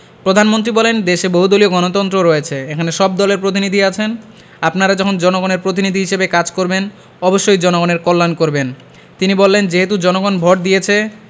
প্রধানমন্ত্রী বলেন দেশে বহুদলীয় গণতন্ত্র রয়েছে এখানে সব দলের প্রতিনিধি আছেন আপনারা যখন জনগণের প্রতিনিধি হিসেবে কাজ করবেন অবশ্যই জনগণের কল্যাণ করবেন তিনি বলেন যেহেতু জনগণ ভোট দিয়েছে